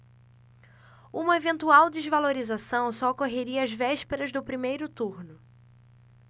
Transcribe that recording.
uma eventual desvalorização só ocorreria às vésperas do primeiro turno